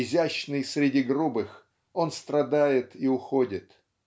Изящный среди грубых, он страдает и уходит.